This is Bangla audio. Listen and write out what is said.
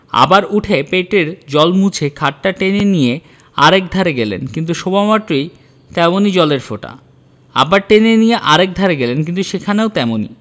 আবার উঠে পেটের জল মুছে খাটটা টেনে নিয়ে আর একধারে গেলেন কিন্তু শোবামাত্রই তেমনি জলের ফোঁটা আবার টেনে নিয়ে আর একধারে গেলেন কিন্তু সেখানেও তেমনি